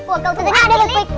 của cầu